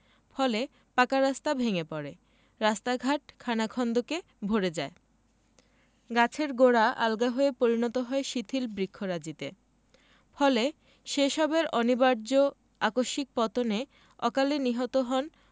ফলে পাকা রাস্তা ভেঙ্গে পড়ে রাস্তাঘাট খানাখন্দকে ভরে যায় গাছের গোড়া আলগা হয়ে পরিণত হয় শিথিল বৃক্ষরাজিতে ফলে সে সবের অনিবার্য আকস্মিক পতনে অকালে নিহত হন